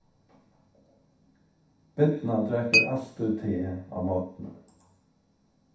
birna drekkur altíð te á morgni